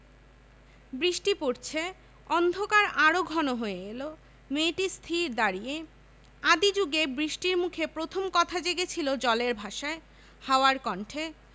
বৃষ্টি পরছে অন্ধকার আরো ঘন হয়ে এল মেয়েটি স্থির দাঁড়িয়ে আদি জুগে সৃষ্টির মুখে প্রথম কথা জেগেছিল জলের ভাষায় হাওয়ার কণ্ঠে